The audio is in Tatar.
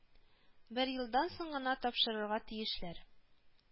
Бер елдан соң гына тапшырырга тиешләр